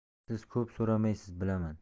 siz ko'p so'ramaysiz bilaman